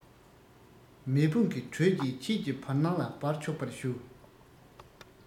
མེ དཔུང གི དྲོད ཀྱིས ཁྱེད ཀྱི བར སྣང ལ སྦར ཆོག པར ཞུ